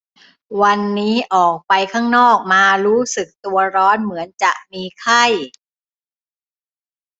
วันนี้ออกไปข้างนอกมารู้สึกตัวร้อนเหมือนจะมีไข้